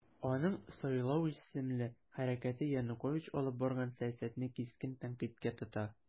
Аның "Сайлау" исемле хәрәкәте Янукович алып барган сәясәтне кискен тәнкыйтькә тота.